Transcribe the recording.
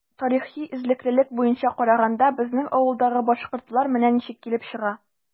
Тарихи эзлеклелек буенча караганда, безнең авылдагы “башкортлар” менә ничек килеп чыга.